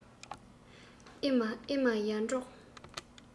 ཨེ མ ཨེ མ ཡར འབྲོག